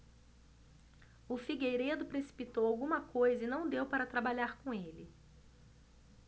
o figueiredo precipitou alguma coisa e não deu para trabalhar com ele